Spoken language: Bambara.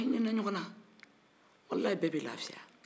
n'an hinɛna ɲɔgɔn na walahi bɛɛ bɛ lafiya